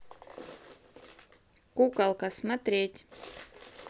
куколка смотреть